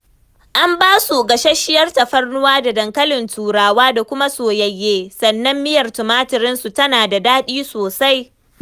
An ba su gasasshiyar tafarnuwa da dankalin Turawa da kuma soyayye sannan miyar tumatirinsu tana da daɗi sosai.